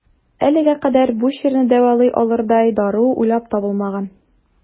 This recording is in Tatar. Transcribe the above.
Әлегә кадәр бу чирне дәвалый алырдай дару уйлап табылмаган.